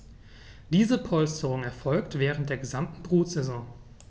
Diese Polsterung erfolgt während der gesamten Brutsaison.